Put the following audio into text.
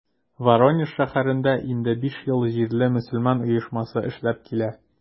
Воронеж шәһәрендә инде биш ел җирле мөселман оешмасы эшләп килә.